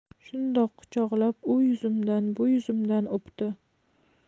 shundoq quchoqlab u yuzimdan bu yuzimdan o'pdi